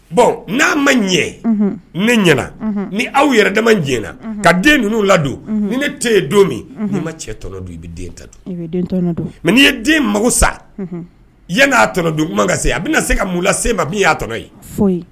Bon n'a ma ɲɛ ne ɲɛna ni aw yɛrɛ dama jna ka den ninnu ladon ni ne te yen don min ma cɛ tɔnɔ don i bɛ den ta don i mɛ n'i ye den mako sa yan n'a tɔɔnɔ don kuma ka se a bɛ na se ka mun lase ma b'i y'a tɔ ye